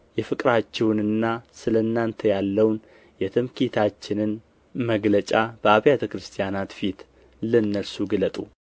የፍቅራችሁንና ስለ እናንተ ያለውን የትምክህታችንን መግለጫ በአብያተ ክርስቲያናት ፊት ለእነርሱ ግለጡ